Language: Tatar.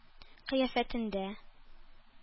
Кыяфәтендә